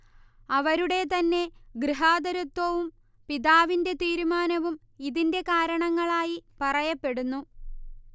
അവരുടെ തന്നെ ഗൃഹാതുരത്വവും പിതാവിന്റെ തീരുമാനവും ഇതിന്റെ കാരണങ്ങളായി പറയപ്പെടുന്നു